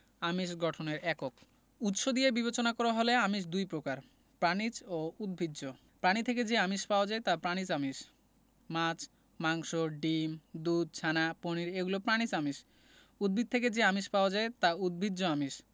আমিষ গঠনের একক উৎস দিয়ে বিবেচনা করা হলে আমিষ দুই প্রকার প্রাণিজ ও উদ্ভিজ্জ প্রাণী থেকে যে আমিষ পাওয়া যায় তা প্রাণিজ আমিষ মাছ মাংস ডিম দুধ ছানা পনির এগুলো প্রাণিজ আমিষ উদ্ভিদ থেকে যে আমিষ পাওয়া যায় তা উদ্ভিজ্জ আমিষ